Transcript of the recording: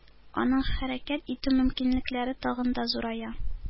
Аның хәрәкәт итү мөмкинлекләре тагын да зурая.